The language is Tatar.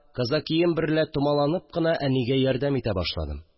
Казакием берлә томаланып кына әнигә ярдәм итә башладым